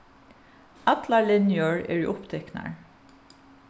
allar linjur eru upptiknar